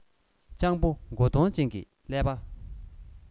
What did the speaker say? སྤྱང པོ མགོ སྟོང ཅན གྱི ཀླད པ